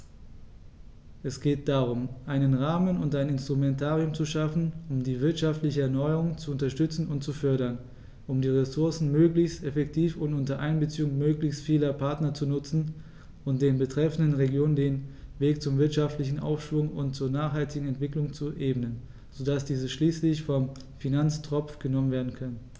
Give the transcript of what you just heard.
Es geht darum, einen Rahmen und ein Instrumentarium zu schaffen, um die wirtschaftliche Erneuerung zu unterstützen und zu fördern, um die Ressourcen möglichst effektiv und unter Einbeziehung möglichst vieler Partner zu nutzen und den betreffenden Regionen den Weg zum wirtschaftlichen Aufschwung und zur nachhaltigen Entwicklung zu ebnen, so dass diese schließlich vom Finanztropf genommen werden können.